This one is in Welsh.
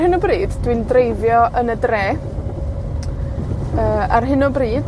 hyn o bryd. Dwi'n dreifio yn y dre. Yy, ar hyn o bryd,